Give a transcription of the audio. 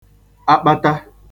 akpata